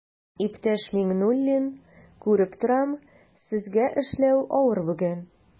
Иптәш Миңнуллин, күреп торам, сезгә эшләү авыр бүген.